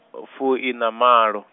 fuiṋamalo.